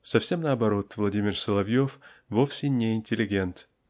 Совсем наоборот, Владимир Соловьев вовсе не интеллигент.